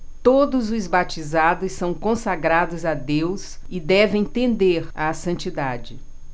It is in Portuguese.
todos os batizados são consagrados a deus e devem tender à santidade